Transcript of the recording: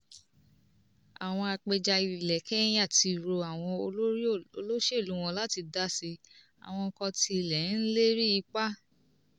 Àwọn apẹja ilẹ̀ Kenya ti rọ àwọn olórí olóṣèlú wọn láti dá síi, àwọn kan tilẹ̀ ń lérí ipá.